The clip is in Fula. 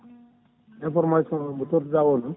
information mo tottuɗa o noon